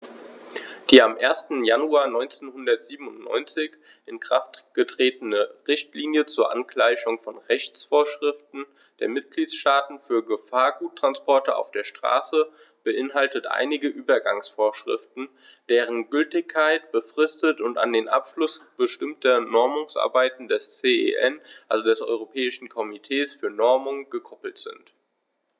Die am 1. Januar 1997 in Kraft getretene Richtlinie zur Angleichung von Rechtsvorschriften der Mitgliedstaaten für Gefahrguttransporte auf der Straße beinhaltet einige Übergangsvorschriften, deren Gültigkeit befristet und an den Abschluss bestimmter Normungsarbeiten des CEN, also des Europäischen Komitees für Normung, gekoppelt ist.